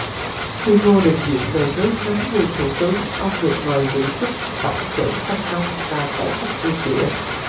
khi ngô đình diệm về nước nắm quyền thủ tướng ông được mời giữ chức tổng trưởng canh nông và cải cách điền địa